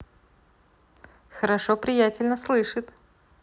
хорошо приятельно слышит